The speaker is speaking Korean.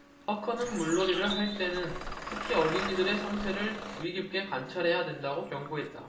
허커는 물놀이를 할 대는 특히 어린이들의 상태를 주의깊게 관찰해야 된다고 경고했다